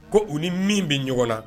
Ko u ni min bɛ ɲɔgɔn na